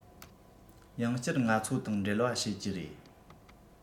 ཡང བསྐྱར ང ཚོ དང འབྲེལ བ བྱེད ཀྱི རེད